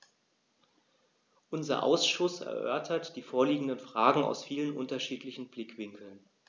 Unser Ausschuss erörtert die vorliegenden Fragen aus vielen unterschiedlichen Blickwinkeln.